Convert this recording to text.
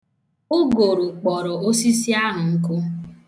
Ụgụrụ kpọrọ osisi ahụ nkụ.